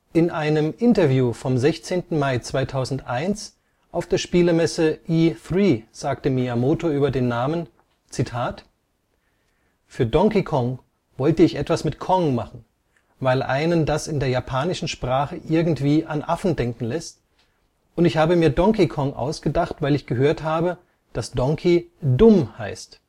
In einem Interview vom 16. Mai 2001 auf der Spielemesse E³ sagte Miyamoto über den Namen: „ Für Donkey Kong wollte ich etwas mit ' Kong ' machen, weil einen das in der Japanischen Sprache irgendwie an Affen denken lässt, und ich habe mir Donkey Kong ausgedacht weil ich gehört habe, dass ' donkey '' dumm ' heißt